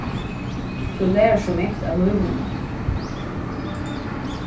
tú lærir so mangt av lívinum